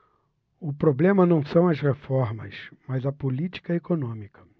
o problema não são as reformas mas a política econômica